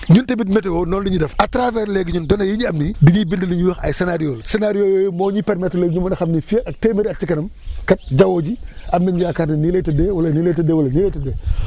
ñun tamit météo noonu la ñuy def à travers léegi ñun données yi ñu am nii dañuy bind li ñuy wax ay scénario scénario yooyu moo ñuy permettre léegi ñu mun a xam ni fii ak téeméeri at ci kanam kat jaww ji am nañ yaakaar ne nii lay tëddee wala nii lay tëddee wala nii lay tëddee